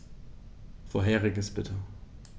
Vorheriges bitte.